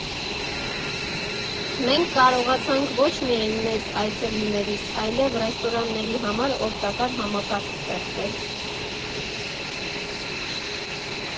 Մենք կարողացանք ոչ միայն մեզ՝ այցելուներիս, այլև ռեստորանների համար օգտակար համակարգ ստեղծել։